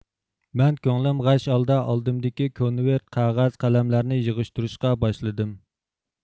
مەن كۆڭلۈم غەش ھالدا ئالدىمدىكى كونۋىرىت قەغەز قەلەملەرنى يىغىشتۇرۇشقا باشلىدىم